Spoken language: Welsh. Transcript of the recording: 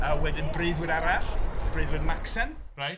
A wedyn breuddwyd arall, breuddwyd Macsen... Reit.